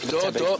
Do do.